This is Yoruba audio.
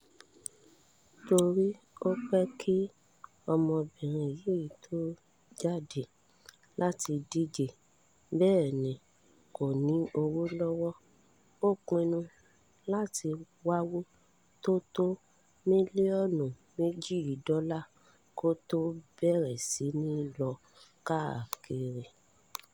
Torí ó pẹ́ kí ọmọbìnrin yìí tó jaHde láti díje, bẹ́ẹ̀ ni kò ní owó lọwọ́, ó pinnu láti wáwó tó tó mílíọnu 2 dọ́là kó tó bẹ̀rẹ̀ sí ni lọ káàkiri.